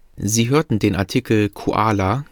Männchen